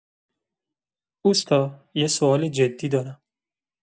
اوستا، یه سؤال جدی دارم.